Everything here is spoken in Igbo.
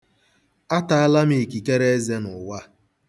Ataala m ikikereeze n'ụwa a.